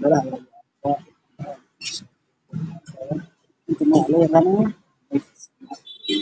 taleefoon itel ah oo uu gacanta ku hayo ninka gadanayo